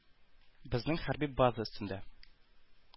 – безнең хәрби база өстендә.